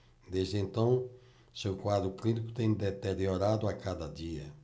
desde então seu quadro clínico tem deteriorado a cada dia